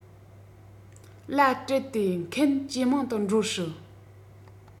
ལ སྤྲད དེ མཁན ཇེ མང དུ འགྲོ སྲིད